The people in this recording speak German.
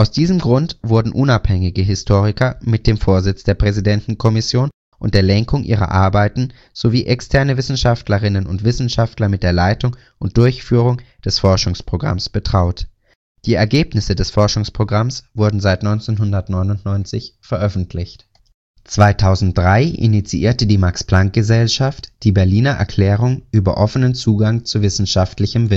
diesem Grund wurden unabhängige Historiker mit dem Vorsitz der Präsidentenkommission und der Lenkung ihrer Arbeiten sowie externe Wissenschaftlerinnen und Wissenschaftler mit der Leitung und Durchführung des Forschungsprogramms betraut. Die Ergebnissse des Forschungsprogramms wurden seit 1999 veröffentlicht. 2003 initiierte die Max-Planck-Gesellschaft die Berliner Erklärung über offenen Zugang zu wissenschaftlichem